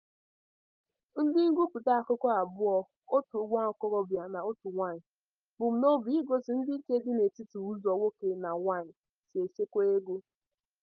Ndị ngụpụta akụkọ abụọ, otu nwa okorobịa na otu nwaanyị, bu n'obi igosi ndịiche dị n'etiti ụzọ nwoke na nwaanyị si echekwa ego.